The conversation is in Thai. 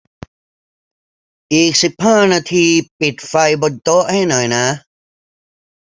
อีกสิบห้านาทีปิดไฟบนโต๊ะให้หน่อยนะ